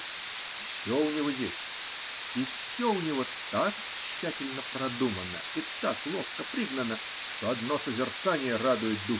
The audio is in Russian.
Все у него есть, и все у него так тщательно продумано и так ловко пригнано, что одно созерцание радует душу.